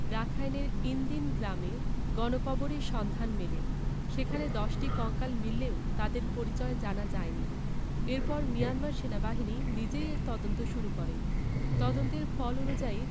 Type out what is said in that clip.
রাখাইনের Inn Din গ্রামে গণকবরের সন্ধান মেলে সেখানে ১০টি কঙ্কাল মিললেও তাদের পরিচয় জানা যায়নি এরপর মিয়ানমার সেনাবাহিনী নিজেই এর তদন্ত শুরু করে তদন্তের ফল অনুযায়ী